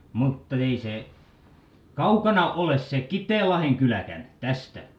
mutta ei se kaukana ole se Kiteenlahden kyläkään tästä